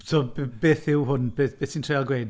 So b- beth yw hwn, beth… be ti'n trial gweud?